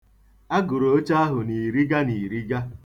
A gụrụ oche ahụ n'iriga n'iriga.